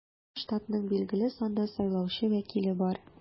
Һәр штатның билгеле санда сайлаучы вәкиле бар.